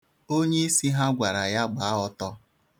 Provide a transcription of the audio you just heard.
Onyeisi ha gwara ya gbaa ọtọ.